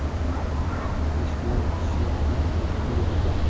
ish bilan qishning mushkuli bitar